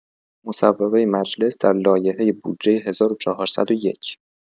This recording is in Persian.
مصوبه مجلس در لایحه بودجه ۱۴۰۱